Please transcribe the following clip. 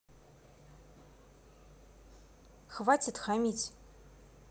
хватит хамить